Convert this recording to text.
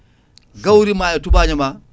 gawrimae tubaño ma